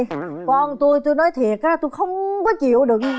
con tui tui nói thiệt á tôi không có chịu đựng